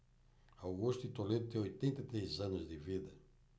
augusto de toledo tem oitenta e três anos de vida